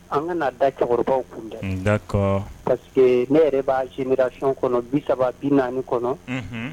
An ka n'a da cɛkɔrɔbaw kun ne yɛrɛ b'a senray kɔnɔ bi saba bi naani kɔnɔ